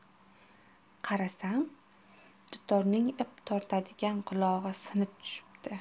qarasam dutorning ip tortadigan qulog'i sinib tushibdi